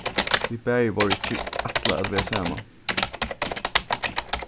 vit bæði vóru ikki ætlað at verða saman